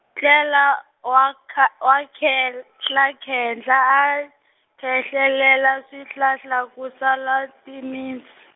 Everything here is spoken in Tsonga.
ntela, wa kha- wa khehl- klakhehla- a, khehlelela swihlahla ku sala timints-.